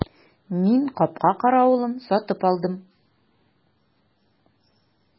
Мин капка каравылын сатып алдым.